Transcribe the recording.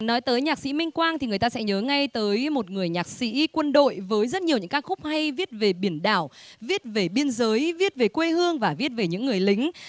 nói tới nhạc sĩ minh quang thì người ta sẽ nhớ ngay tới một người nhạc sĩ quân đội với rất nhiều những ca khúc hay viết về biển đảo viết về biên giới viết về quê hương và viết về những người lính